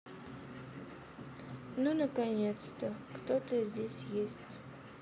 ну наконец то кто то здесь есть